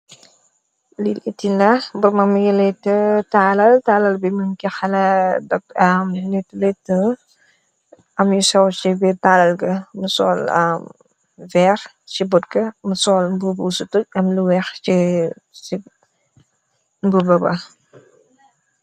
lil etinda bormam yele të taalal , talal bi mën ki xala dog am nitu leta am yu sow ci bir talal . ga musool am veer ci botg musool bubu su tuj am lu weex c t bu baba